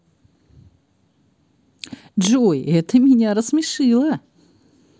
джой это меня рассмешило